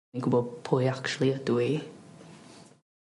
fi'n gwbod pwy actually ydw i.